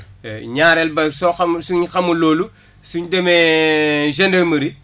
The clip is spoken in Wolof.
~bnaareel ba soo xamul suñu xamul loolu suñ demee gendarmerie